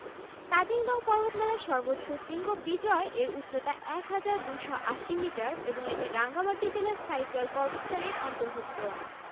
উপকূলীয় সীমারেখার দৈর্ঘ্য ৪৮৩ কিলোমিটারের অধিক ভূখন্ডগত সমুদ্রসীমা ১২ নটিক্যাল মাইল ২২ দশমিক দুই দুই কিলোমিটার এবং অর্থনৈতিক সমুদ্রসীমা উপকূল থেকে ২০০ নটিক্যাল মাইল